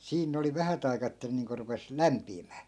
siinä ne oli vähät aikaa että ne niin kuin rupesi lämpiämään